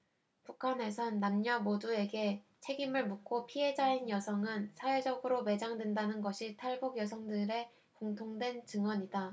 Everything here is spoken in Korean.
북한에선 남녀 모두에게 책임을 묻고 피해자인 여성은 사회적으로 매장된다는 것이 탈북 여성들의 공통된 증언이다